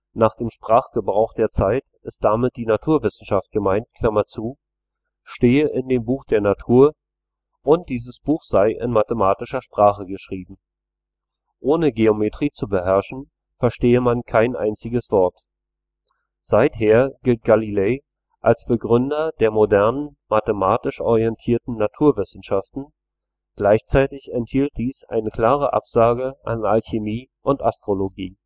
nach dem Sprachgebrauch der Zeit ist damit die Naturwissenschaft gemeint) stehe in dem Buch der Natur, und dieses Buch sei in mathematischer Sprache geschrieben: Ohne Geometrie zu beherrschen, verstehe man kein einziges Wort. Seither gilt Galilei als Begründer der modernen, mathematisch orientierten Naturwissenschaften, gleichzeitig enthielt dies eine klare Absage an Alchemie und Astrologie